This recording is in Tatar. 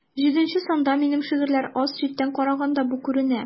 Җиденче санда минем шигырьләр аз, читтән караганда бу күренә.